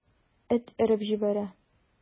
Эт өреп җибәрә.